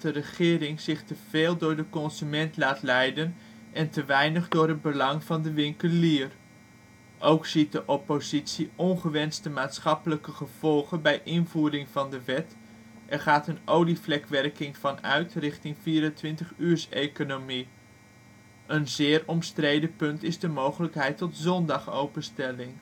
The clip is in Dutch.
regering zich te veel door de consument laat leiden en te weinig door het belang van de winkelier. Ook ziet de oppositie ongewenste maatschappelijke gevolgen bij invoering van de wet, er gaat een olievlekwerking vanuit richting 24-uurseconomie. Een zeer omstreden punt is de mogelijkheid tot zondagopenstelling